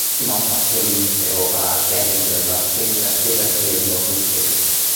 sdim ots pa swydd neu o ba gefndir ma' pleid- ti na- pleidlais chi yr un mor bwysig